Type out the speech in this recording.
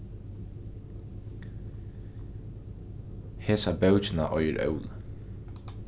hesa bókina eigur óli